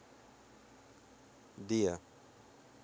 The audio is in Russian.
dear